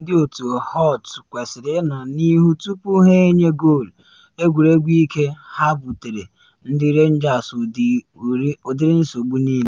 Ndị otu Holt kwesịrị ịnọ n’ihu tupu ha enye goolu, egwuregwu ike ha buteere ndị Rangers ụdịrị nsogbu niile.